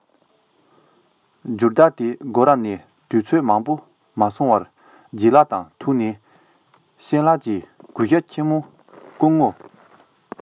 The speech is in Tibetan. འབྱོར བདག དེའི སྒོ ར ནས དུས ཚོད མང པོ མ སོང བར ལྗད ལགས དང ཐུག ནས སྤྱང ལགས ཀྱིས གུས ཞབས ཆེ མདོག གིས སྐུ ངོ ཆེན མོ དཔེ བསགས སོང ཕྲུ གུ ཞེ པོ ཅིག ན གིས ད ལྟ སྨན ཁང ལ འགྲོ གི ཡིན ཞེས བཤད